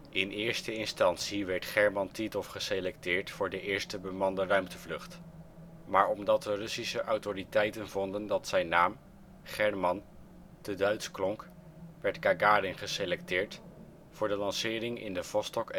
In eerste instantie werd German Titov geselecteerd voor de eerste bemande ruimtevlucht. Maar omdat de Russische autoriteiten vonden dat zijn naam (German) te Duits klonk werd Gagarin geselecteerd voor de lancering in de Vostok